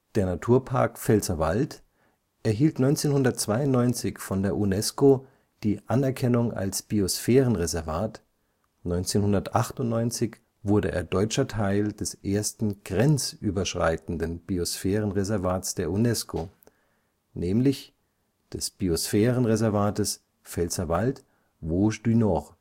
Der Naturpark Pfälzerwald erhielt 1992 von der UNESCO die Anerkennung als Biosphärenreservat, 1998 wurde er deutscher Teil des ersten grenzüberschreitenden Biosphärenreservates der UNESCO, nämlich des Biosphärenreservates Pfälzerwald-Vosges du Nord